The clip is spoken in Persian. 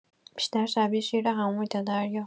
بیشتر شبیه شیر حمومی تا دریا